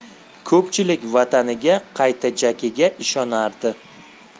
ko'pchilik vataniga qaytajagiga ishonardi